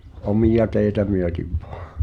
omia teitä myöten vain